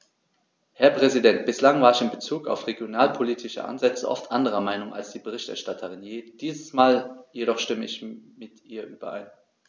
Herr Präsident, bislang war ich in Bezug auf regionalpolitische Ansätze oft anderer Meinung als die Berichterstatterin, diesmal jedoch stimme ich mit ihr überein.